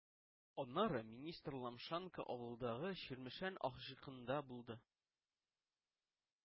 Аннары министр Лашманка авылындагы “Чирмешән” АХҖКында булды.